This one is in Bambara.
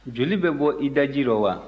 joli bɛ bɔ i daji rɔ wa